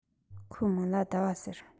ཁོའི མིང ལ ཟླ བ ཟེར